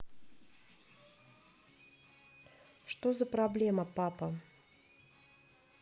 что за проблема папа